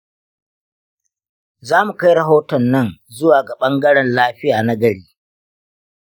zamu kai rahoton nan zuwa ga ɓangaren lafiya na gari.